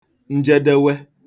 njedewe